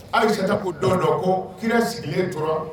Ayisata ko dɔn dɔ ko kira sigilen tora